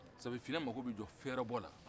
sabu finɛ mako bɛ jɔ fɛrɛbɔ la